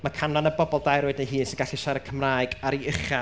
Ma' canran y bobl dair oed neu hŷn sy'n gallu siarad Cymraeg ar eu ucha